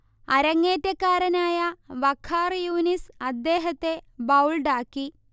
അരങ്ങേറ്റക്കാരനായ വഖാർ യൂനിസ് അദ്ദേഹത്തെ ബൗൾഡാക്കി